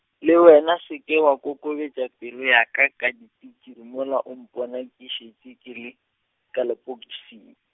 le wena se ke wa kokobetša pelo ya ka ka dipikiri mola o mpona ke šetše ke le, ka lepokising.